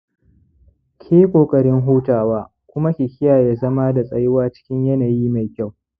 ki yi ƙoƙarin hutawa kuma ki kiyaye zama da tsayuwa cikin yanayi mai kyau.